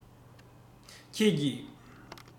ཁྱེད ཀྱིས